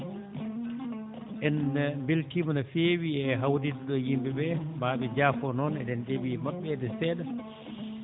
en mbeltima no feewi e hawrinde ɗo yimɓe ɓee maa ɓe njaafoo noon eɗen ɗe ɓi maɓɓeede seeɗa